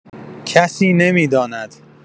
کسی نمی‌داند.